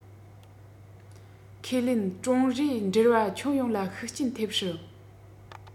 ཁས ལེན ཀྲུང རིའི འབྲེལ བ ཁྱོན ཡོངས ལ ཤུགས རྐྱེན ཐེབས སྲིད